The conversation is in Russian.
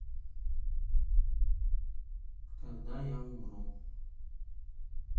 когда я умру